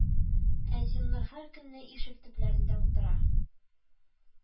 Ә Зиннур һәркөнне ишек төпләрендә утыра